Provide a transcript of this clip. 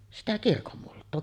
no sitä kirkonmultaa